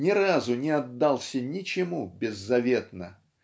ни разу не отдался ничему беззаветно